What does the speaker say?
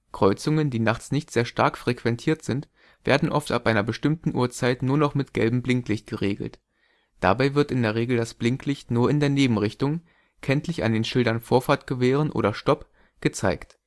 Kreuzungen, die nachts nicht sehr stark frequentiert sind, werden oft ab einer bestimmten Uhrzeit nur noch mit gelbem Blinklicht geregelt. Dabei wird in der Regel das Blinklicht nur in der Nebenrichtung – kenntlich an den Schildern „ Vorfahrt gewähren “oder „ Stopp “– gezeigt